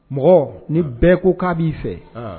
Mɔgɔ ni bɛɛ ko k'a b'i fɛ